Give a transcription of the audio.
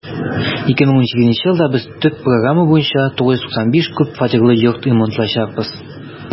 2018 елда без төп программа буенча 995 күп фатирлы йорт ремонтлаячакбыз.